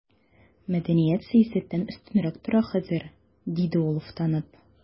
Мәдәният сәясәттән өстенрәк тора хәзер, диде ул уфтанып.